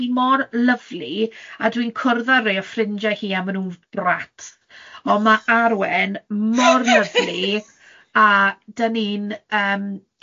hi mor lyfli, a dwi'n cwrdd â rei o ffrindiau hi a maen nhw'n brats, ond ma' Arwen mor lyfli, a 'dan ni'n yym,